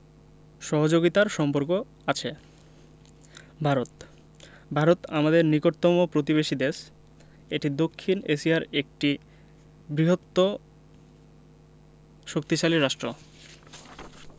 সহযোগিতার সম্পর্ক আছে ভারতঃ ভারত আমাদের নিকটতম প্রতিবেশী দেশএটি দক্ষিন এশিয়ার একটি বৃহৎও শক্তিশালী রাষ্ট্র